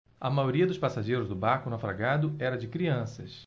a maioria dos passageiros do barco naufragado era de crianças